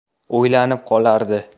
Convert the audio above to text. o'ylanib qolardi